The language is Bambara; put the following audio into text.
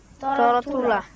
tɔɔrɔ t'u la